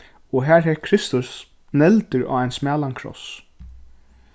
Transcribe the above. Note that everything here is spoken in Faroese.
og har hekk kristus negldur á ein smalan kross